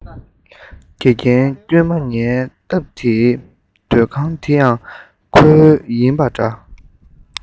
དགེ རྒན དཀྱུས མ ངའི སྟབས བདེའི སྡོད ཁང འདི ཡང ཁོའི ཡིན པ འདྲ